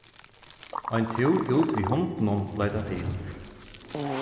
ein túr út við hundinum bleiv tað til